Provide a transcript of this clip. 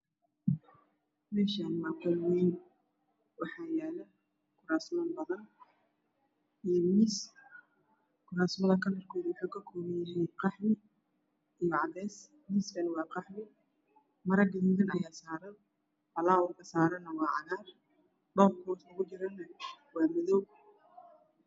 Meeshan waa qol ween waxaa yala kuraas badan iyo miis kuraasta kalarkoodu waxa uu kakoopan yahy cadees miiskana waa qaxwi mara guduudan ayaa saran falaawarka sarana waa cagaar dhoomka meesha ku jirane waa madow